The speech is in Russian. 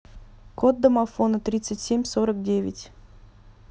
код домофона тридцать семь сорок девять